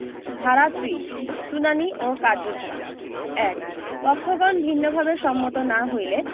ধারা ৩০ শুনানী ও কার্যধারা ১ পক্ষগণ ভিন্নভাবে সম্মত না হইলে